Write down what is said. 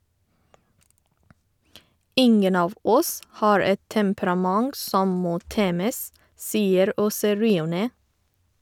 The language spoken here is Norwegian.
Ingen av oss har et temperament som må temmes, vsier Åse Riaunet.